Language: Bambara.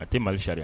A tɛ Mali sariya